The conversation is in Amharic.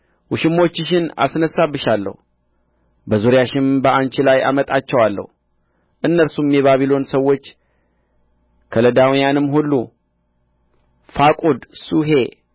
ውሽሞችሽን አስነሣብሻለሁ በዙሪያሽም በአንቺ ላይ አመጣቸዋለሁ እነርሱም የባቢሎን ሰዎች ከለዳውያንም ሁሉ ፋቁድ ሱሔ